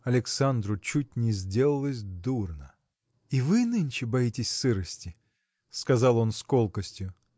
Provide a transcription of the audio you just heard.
Александру чуть не сделалось дурно. – И вы нынче боитесь сырости? – сказал он с колкостью.